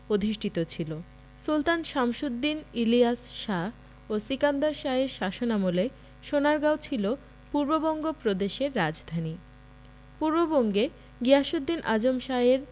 অধিষ্ঠিত ছিল সুলতান শামসুদ্দীন ইলিয়াস শাহ ও সিকান্দর শাহের শাসনামলে সোনারগাঁও ছিল পূর্ববঙ্গ প্রদেশের রাজধানী পূর্ববঙ্গে গিয়াসুদ্দীন আযম শাহের